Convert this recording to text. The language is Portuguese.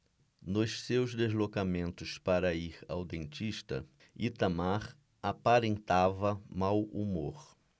nos seus deslocamentos para ir ao dentista itamar aparentava mau humor